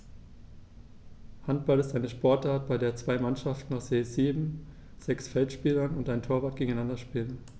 Handball ist eine Sportart, bei der zwei Mannschaften aus je sieben Spielern (sechs Feldspieler und ein Torwart) gegeneinander spielen.